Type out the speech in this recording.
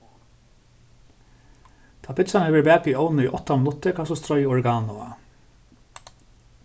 tá pitsan hevur verið bakað í ovni í átta minuttir kanst tú stroya oregano á